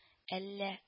Әллә